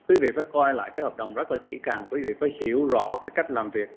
quý vị phải coi lại cái hợp đồng rất là kỹ càng quý vị phải hiểu rõ cái cách làm việc